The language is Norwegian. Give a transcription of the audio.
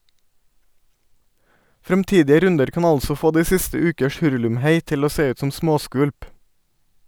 Fremtidige runder kan altså få de siste ukers hurlumhei til å se ut som småskvulp.